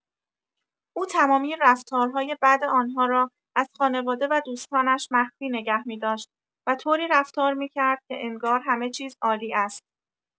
او تمامی رفتارهای بد آن‌ها را از خانواده و دوستانش مخفی نگه می‌داشت و طوری رفتار می‌کرد که انگار همه‌چیز عالی است.